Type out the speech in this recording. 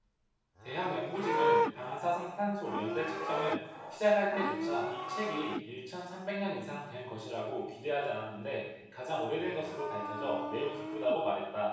대학 연구진은 방사성탄소 연대측정을 시작할 때조차 이 책이 일 천 삼백 년 이상 된 것이라고 기대하지 않았는데 가장 오래된 것으로 밝혀져 매우 기쁘다고 말했다